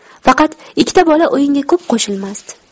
faqat ikkita bola o'yinga ko'p qo'shilmasdi